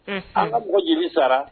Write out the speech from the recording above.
An ka mɔgɔ jiri sara